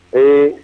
Un